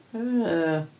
Yy!